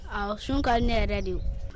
awɔ sun ka di ne yɛrɛ de ye